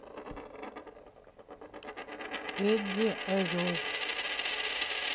эдди орел